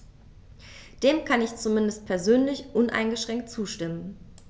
Dem kann ich zumindest persönlich uneingeschränkt zustimmen.